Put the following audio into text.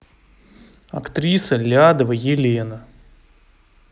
актриса лядова елена